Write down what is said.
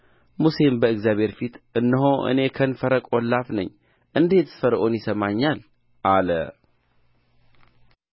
ሙሴም በእግዚአብሔር ፊት እነሆ እኔ ከንፈረ ቈላፍ ነኝ እንዴትስ ፈርዖን ይሰማኛል አለ